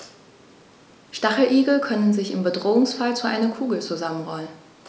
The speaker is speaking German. Stacheligel können sich im Bedrohungsfall zu einer Kugel zusammenrollen.